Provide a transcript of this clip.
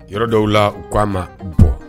Yɔrɔ dɔw la, u k'a ma bɔ